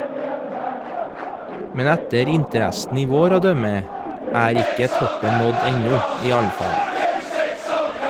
Men etter interessen i vår å dømme er ikke toppen nådd ennå i alle fall.